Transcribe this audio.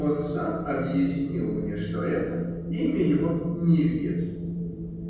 Он сам объяснил мне, что это - имя его невесты.